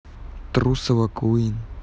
трусова queen